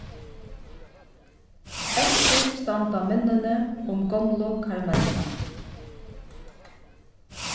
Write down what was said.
eftir standa minnini um gomlu karamellurnar